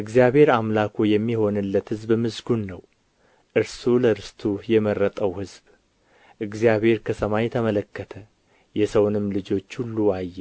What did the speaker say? እግዚአብሔር አምላኩ የሚሆንለት ሕዝብ ምስጉን ነው እርሱ ለርስቱ የመረጠው ሕዝብ እግዚአብሔር ከሰማይ ተመለከተ የሰውንም ልጆች ሁሉ አየ